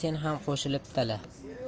sen ham qo'shilib tala